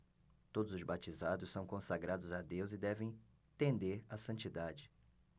todos os batizados são consagrados a deus e devem tender à santidade